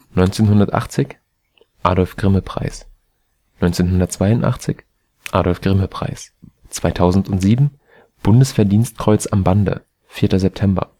1980: Adolf-Grimme-Preis 1982: Adolf-Grimme-Preis 2007: Bundesverdienstkreuz am Bande (4. September